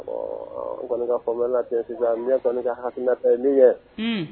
Ɔ u kɔni ka faamuyala ten sisan mi kɔni ne ka haina ta min ye